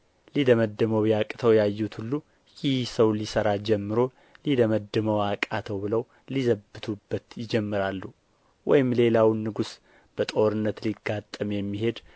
ሊደመድመውም ቢያቅተው ያዩት ሁሉ ይህ ሰው ሊሠራ ጀምሮ ሊደመድመው አቃተው ብለው ሊዘብቱበት ይጀምራሉ ወይም ሌላውን ንጉሥ በጦርነት ሊጋጠም የሚሄድ